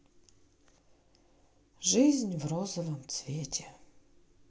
жизнь в розовом цвете